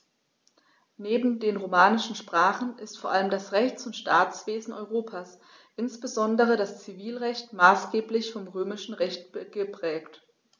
Neben den romanischen Sprachen ist vor allem das Rechts- und Staatswesen Europas, insbesondere das Zivilrecht, maßgeblich vom Römischen Recht geprägt.